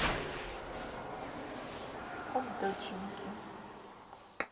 от доченьки